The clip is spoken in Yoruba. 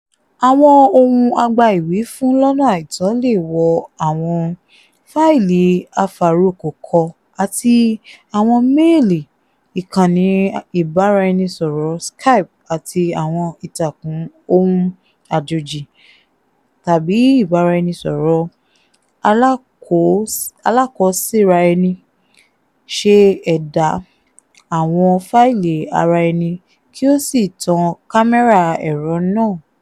Àwọn ohùn-agbaìwífún-lọ́nà-àìtọ́ le wọ àwọn fáìlì àfàrokòkọ àti àwọn méèlí, ìkànnì ìbáraẹnisọ̀rọ̀ Skype àti àwọn ìtàkùn ohun àjòjì tàbí ìbáraẹnisọ̀rọ̀ alákọsíaraẹni, ṣe ẹ̀dá àwọn fáìlì araẹni kí ó sì tàn kámẹ́rà ẹ̀rọ náà.